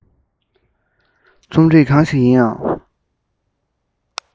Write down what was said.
རྩོམ རིག གང ཞིག ཡིན ཡང